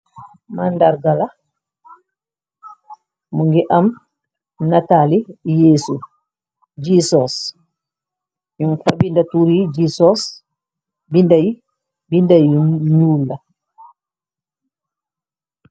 Màndarga la mu ngi am natali yéesu gi sos ñum xabindatuur yi gi sos binda y binda yu ñjuul la.